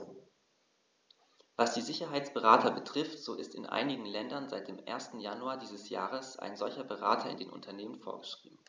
Was die Sicherheitsberater betrifft, so ist in einigen Ländern seit dem 1. Januar dieses Jahres ein solcher Berater in den Unternehmen vorgeschrieben.